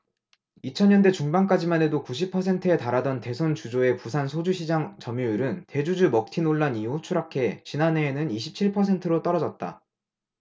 이천 년대 중반까지만 해도 구십 퍼센트에 달하던 대선주조의 부산 소주시장 점유율은 대주주 먹튀 논란 이후 추락해 지난해에는 이십 칠 퍼센트로 떨어졌다